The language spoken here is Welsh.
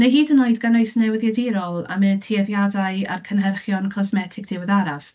Neu hyd yn oed gynnwys newyddiadurol am eu tueddiadau a'r cynhyrchion cosmetic diweddaraf.